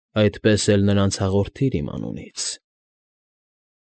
Այդպես էլ նրանց հաղորդիր իմ անունից։